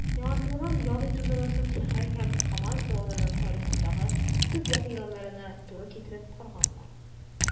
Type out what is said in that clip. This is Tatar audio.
Яңартылган ял итү зонасын шәһәр һәм КАМАЗ заводының тарихындагы төп вакыйгаларына туры китереп корганнар.